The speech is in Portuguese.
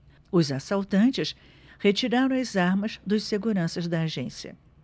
os assaltantes retiraram as armas dos seguranças da agência